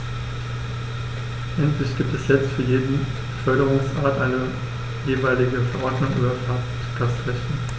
Endlich gibt es jetzt für jede Beförderungsart eine jeweilige Verordnung über Fahrgastrechte.